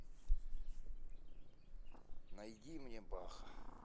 найди мне баха